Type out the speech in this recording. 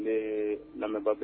N bɛ lamɛnbaa bɛɛ